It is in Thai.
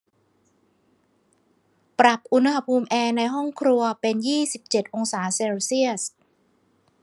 ปรับอุณหภูมิแอร์ในห้องครัวเป็นยี่สิบเจ็ดองศาเซลเซียส